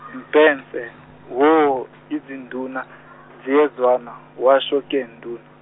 Mbhense, hho, izinduna, ziyezwana washo ke nduna.